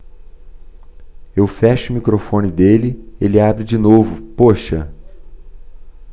eu fecho o microfone dele ele abre de novo poxa